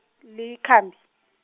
likhambi.